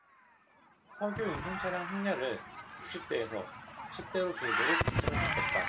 석유 운송차량 행렬을 육십 대에서 십 대로 줄이도록 지침을 바꿨다